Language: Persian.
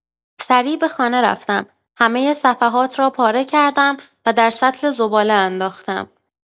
سریع به خانه رفتم، همه صفحات را پاره کردم و در سطل زباله انداختم.